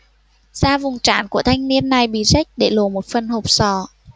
da vùng trán của thanh niên này bị rách để lộ một phần hộp sọ